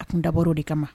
A tun dabɔ de kama ma